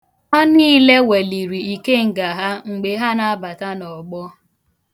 Ha niile weliri ikenga ha mgbe ha na-abata n'ọgbọ.